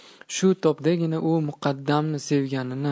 shu topdagina u muqaddamni sevganini